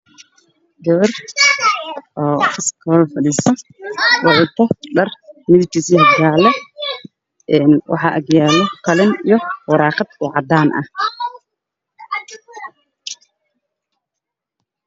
Gabar wadato dhar jaale iskuul joogto wadato qalin iyo waraaq